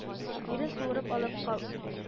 Ирен суырып алып ка